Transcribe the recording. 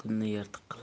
butunni yirtiq qilar